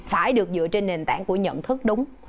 phải được dựa trên nền tảng của nhận thức đúng